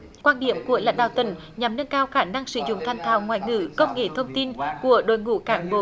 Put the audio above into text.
quan điểm của lãnh đạo tỉnh nhằm nâng cao khả năng sử dụng thành thạo ngoại ngữ công nghệ thông tin của đội ngũ cán bộ